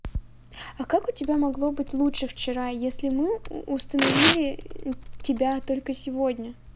а как у тебя могло быть лучше вчера если мы установили тебя только сегодня